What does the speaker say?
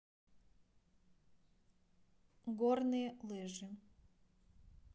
горные лыжи